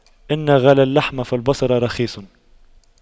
إن غلا اللحم فالصبر رخيص